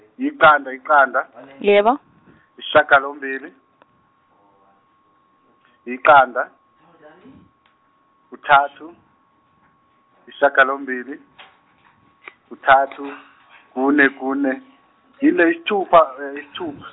yiqanda yiqanda yisishagalombili yiqanda kuthathu yisishagalombili kuthathu kune kune yisithupha yisithuph-.